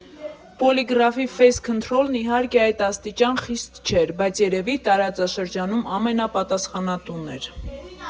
Պոլիգրաֆի ֆեյս քընթրոլն, իհարկե, այդ աստիճան խիստ չէր, բայց երևի տարածաշրջանում ամենապատասխանատուն էր։